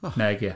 Nage.